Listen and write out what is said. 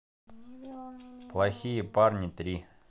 плохие парни три